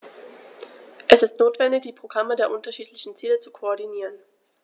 Es ist notwendig, die Programme der unterschiedlichen Ziele zu koordinieren.